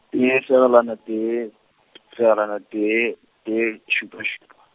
tee segelwana tee, segelwana tee, tee šupa šupa.